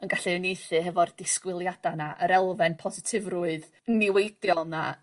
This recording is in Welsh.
yn gallu uniaethu hefo'r disgwyliada 'na yr elfen positifrwydd niweidiol 'na